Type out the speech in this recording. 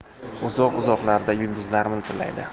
uzoq uzoqlarda yulduzlar miltillaydi